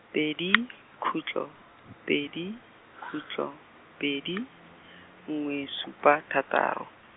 pedi , khutlo, pedi, khutlo, pedi, nngwe supa thataro.